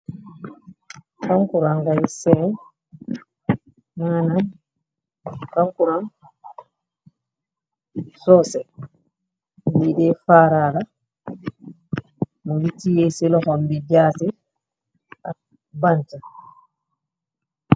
Kankuran ngay senn, manam kankuran sosè. Li dè faaraara mungi tè ci lohom bi jaase ak bant.